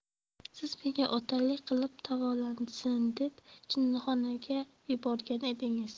siz menga otalik qilib davolansin deb jinnixonaga yuborgan edingiz